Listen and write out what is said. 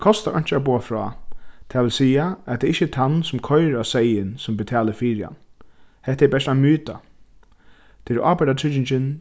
tað kostar einki at boða frá tað vil siga at tað ikki er tann sum koyrir á seyðin sum betalir fyri hann hetta er bert ein myta tað er ábyrgdartryggingin